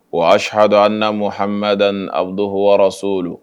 Wa ahhadu an n'a mahamida arabudu h wɔɔrɔso